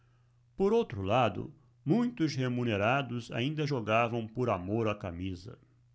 por outro lado muitos remunerados ainda jogavam por amor à camisa